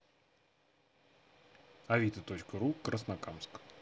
авито точка ру краснокамск